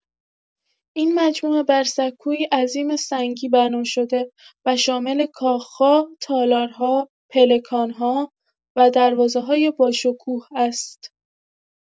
این مجموعه بر سکویی عظیم سنگی بنا شده و شامل کاخ‌ها، تالارها، پلکان‌ها و دروازه‌های باشکوه است.